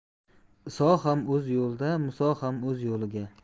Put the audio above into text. iso ham o'z yo'liga muso ham o'z yo'liga